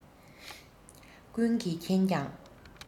ཀུན གྱིས མཁྱེན ཀྱང